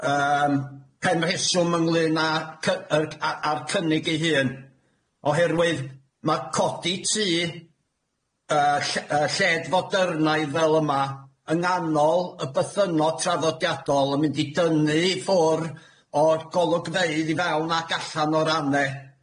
yym pen rheswm ynglŷn â'r cy- yr a- â'r cynnig ei hun, oherwydd ma' codi tŷ yy ll- yy lled fodyrnaidd fel yma yng nghanol y bythynnod traddodiadol yn mynd i dynnu i ffwr' o'r golwgfeydd i fewn ac allan o'r AHNE.